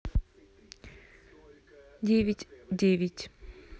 девять девять